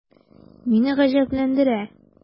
Мине гаҗәпләндерә: